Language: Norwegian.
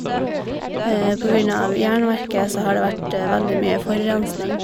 På grunn av jernverket så har det vært veldig mye forurensning.